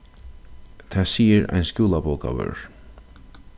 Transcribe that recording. tað sigur ein skúlabókavørður